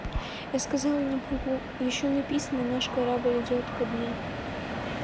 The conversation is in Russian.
я сказала не могу еще написано наш корабль идет ко дну